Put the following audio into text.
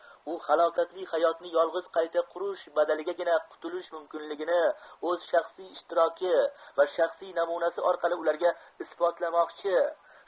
u halokatli hayotni yolg'iz qayta qurish badaligagina qutulish mumkinligini o'z shaxsiy ishtiroki va shaxsiy namunasi orqali ularga isbotlamoqchi